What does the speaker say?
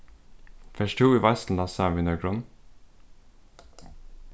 fert tú í veitsluna saman við nøkrum